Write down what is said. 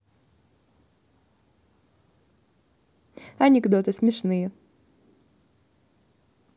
анекдоты смешные